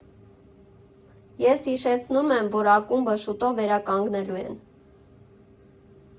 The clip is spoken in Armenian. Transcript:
Ես հիշեցնում եմ, որ ակումբը շուտով վերականգնելու են։